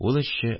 Ул эшче